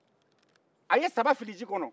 a ye saba fili ji kɔnɔ